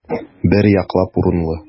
Бер яклап урынлы.